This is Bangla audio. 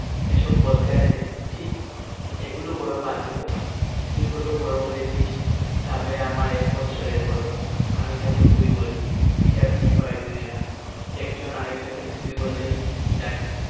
এসব বলতে আছে ছিঃ এগুলি বড় বাজে কথা তুই কত বড় হয়েছিস রাবেয়া আমার এক বৎসরের বড় আমি তাকে তুই বলি পিঠাপিঠি ভাই বোনেরা একজন আরেক জনকে তুই বলেই ডাকে